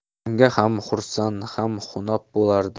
bunga ham xursand ham xunob bo'lardim